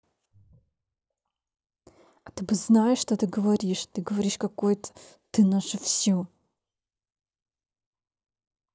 а ты бы знаешь что ты говоришь ты говоришь какой то ты наше все